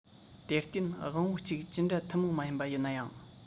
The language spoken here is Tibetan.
དེར བརྟེན དབང པོ གཅིག ཅི འདྲ ཐུན མོང མ ཡིན པ ཡིན ནའང